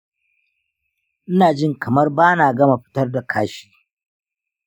ina jin kamar bana gama fitar da kashi.